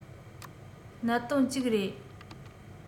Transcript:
གནད དོན ཅིག རེད